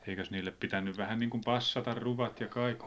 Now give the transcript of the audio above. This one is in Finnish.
eikös niille pitänyt vähän niin kuin passata ruuat ja kaikki